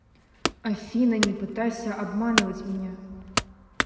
афина не пытайся обманывать меня